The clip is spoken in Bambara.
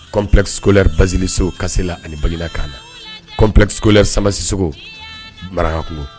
Kɔn plɛkisolɛ bazeliso kasela ani balila k'a na kɔn plɛkissolɛ samaba siso marakako